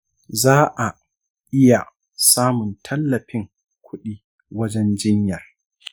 za'a iya samun tallafin kudi wajen jinyar .